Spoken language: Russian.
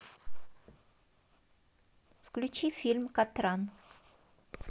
включи фильм катран